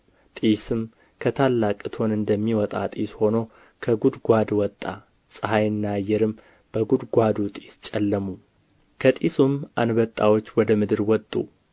ጢስም ከታላቅ እቶን እንደሚወጣ ጢስ ሆኖ ከጕድጓዱ ወጣ ፀሐይና አየርም በጕድጓዱ ጢስ ጨለሙ ከጢሱም አንበጣዎች ወደ ምድር ወጡ